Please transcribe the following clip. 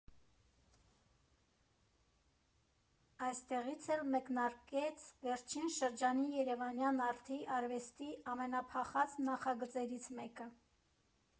Այդտեղից էլ մեկնարկեց վերջին շրջանի երևանյան արդի արվեստի ամենափախած նախագծերից մեկը։